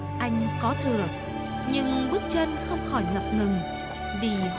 anh có thừa nhưng bước chân không khỏi ngập ngừng vì